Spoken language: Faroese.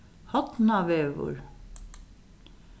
hornavegur